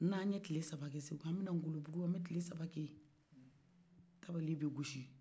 n'an ye kile saba kɛ segou an bɛ na kile saba kɛ ngolokuna tabali bɛ gosi